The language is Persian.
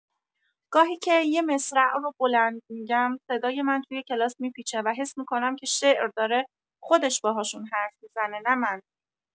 گاهی که یه مصرع رو بلند می‌گم، صدای من توی کلاس می‌پیچه و حس می‌کنم که شعر داره خودش باهاشون حرف می‌زنه، نه من.